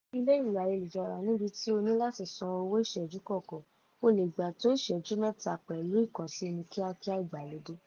Ní ilé ìlò ayélujára, níbi tí o ní láti san owó lórí ìṣẹ́jú kọ̀ọ̀kan, ó le gbà tó ìṣẹ́jú mẹ́ta pẹ̀lú ìkànsíni kíákíá ìgbàlódé